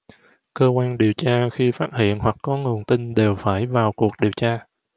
cơ quan điều tra khi phát hiện hoặc có nguồn tin đều phải vào cuộc điều tra